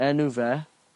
Enw fe